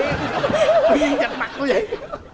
trời ơi thi rạch mặt luôn vậy